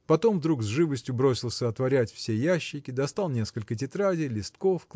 Потом вдруг с живостью бросился отворять все ящики достал несколько тетрадей листков